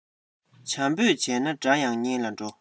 བྱམས པོས བྱས ན དགྲ ཡང གཉེན ལ འགྲོ